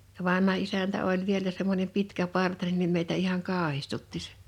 ja vanha isäntä oli vielä semmoinen pitkäpartainen niin meitä ihan kauhistutti se